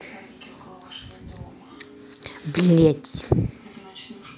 блять